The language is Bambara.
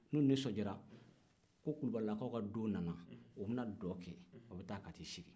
n'u nisondiyara ko kulubalilakaw ka do nana o bɛ na dɔn kɛ o bɛ taa i sigi